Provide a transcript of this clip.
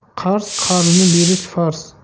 qarz qarzni berish farz